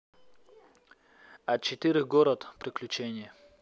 а четыре город приключений